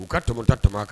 U ka tamada tama kan